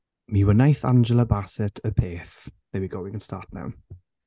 Mi wnaeth Angela Bassett y peth. There you go we can start now.